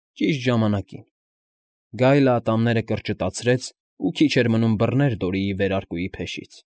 Ճիշտ ժամանակին։ Գայլը ատամները կրճտացրեց ու քիչ էր մնում բռներ Դորիի վերարկուի փեշից։